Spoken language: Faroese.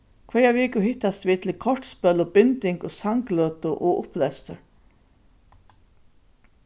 hvørja viku hittast vit til kortspøl og binding og sangløtu og upplestur